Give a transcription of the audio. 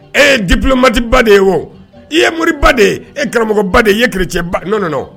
E jiplomatiba de ye wo i ye mori ba de ye e karamɔgɔba de ye ye kire n nɔɔnɔ